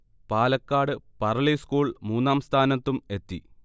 Palakkad Parali school മൂന്നാം സ്ഥാനത്തും എത്തി